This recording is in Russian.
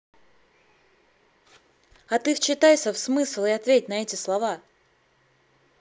а ты вчитайся в смысл и ответь на эти слова